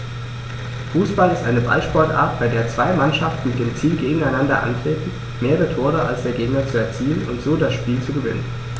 Fußball ist eine Ballsportart, bei der zwei Mannschaften mit dem Ziel gegeneinander antreten, mehr Tore als der Gegner zu erzielen und so das Spiel zu gewinnen.